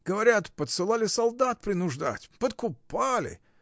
Говорят, подсылали солдат принуждать, подкупали.